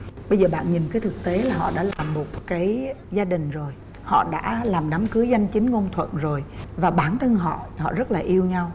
bây giờ bạn nhìn cái thực tế là họ đã là một cái gia đừn rồi họ đã làm đám cưới danh chính ngôn thuận rồi và bản thân họ họ rất là iu nhau